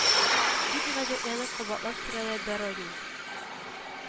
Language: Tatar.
Дип гаҗәпләнеп кабатлап сорады доронин